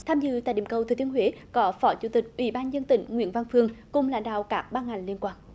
tham dự tại điểm cầu thừa thiên huế có phó chủ tịch ủy ban dân tỉnh nguyễn văn phương cùng lãnh đạo các ban ngành liên quan